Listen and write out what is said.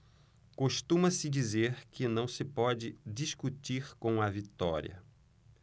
costuma-se dizer que não se pode discutir com a vitória